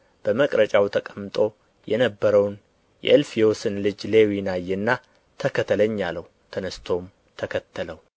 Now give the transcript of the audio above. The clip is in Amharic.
በመቅረጫው ተቀምጦ የነበረውን የእልፍዮስን ልጅ ሌዊን አየና ተከተለኝ አለው ተነሥቶም ተከተለው